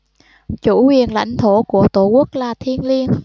chủ quyền lãnh thổ của tổ quốc là thiêng liêng